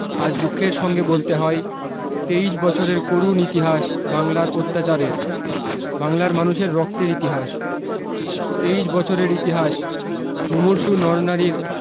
আজ দুঃখের সঙ্গে বলতে হয় ২৩ বছরের করুন ইতিহাস বাংলার অত্যাচারের বাংলার মানুষের রক্তের ইতিহাস ২৩ বছরের ইতিহাস মুমূর্ষু নর নারীর